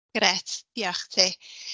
Grêt, diolch ti.